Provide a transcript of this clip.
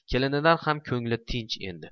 kelinidan ham ko'ngli tinch edi